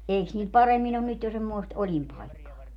eikös niillä paremmin ole nyt jo semmoista olinpaikkaa